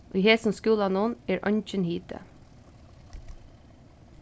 í hesum skúlanum er eingin hiti